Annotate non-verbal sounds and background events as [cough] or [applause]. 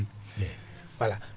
[noise] eyyi [noise]